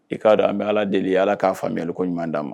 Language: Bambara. I k'a dɔn an bɛ ala deli ala k'a faamuya ye koɲuman d'a ma